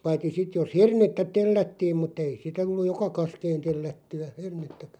paitsi sitten jos hernettä tellättiin mutta ei sitä tullut joka kaskeen tellättyä hernettäkään